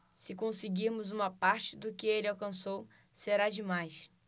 se conseguirmos uma parte do que ele alcançou será demais